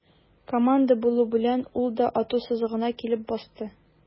Команда булу белән, ул да ату сызыгына килеп басты.